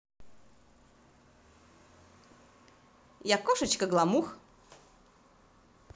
я кошечка гламур